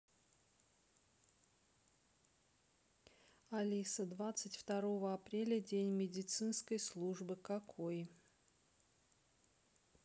алиса двадцать второго апреля день медицинской службы какой